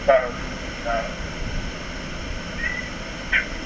baax na waaw